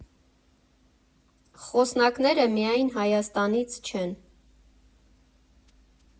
Խոսնակները միայն Հայաստանից չեն.